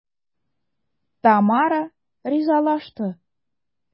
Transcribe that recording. Тамара ризалашты.